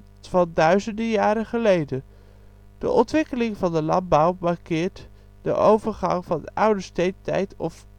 tussen de 7000 en 10.000 jaar geleden. De ontdekking van de landbouw markeert de overgang van de Oude Steentijd of Paleolithicum